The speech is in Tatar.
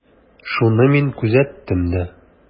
Шуны мин күзәттем дә.